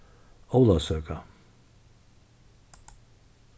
ólavsøka